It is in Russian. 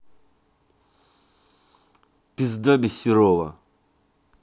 пизда без серова